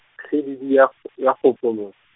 kgididi ya , ya kgopo mot-.